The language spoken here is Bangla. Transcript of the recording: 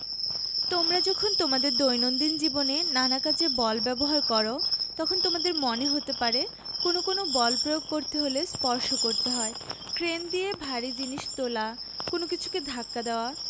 তোমরা যখন তোমাদের দৈনন্দিন জীবনে নানা কাজে বল ব্যবহার করো তখন তোমাদের মনে হতে পারে কোনো কোনো বল প্রয়োগ করতে হলে স্পর্শ করতে হয় ক্রেন দিয়ে ভারী জিনিস তোলা কোনো কিছুকে ধাক্কা দেওয়া